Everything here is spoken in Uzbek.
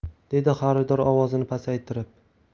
dedi xaridor ovozini pasaytirib